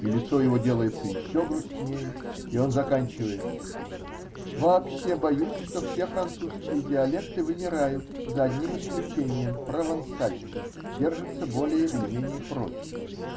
И лицо его делается еще грустнее, и он заканчивает: -- Вообще боюсь, что все французские диалекты вымирают, за одним исключением: провансальский держится более или менее прочно.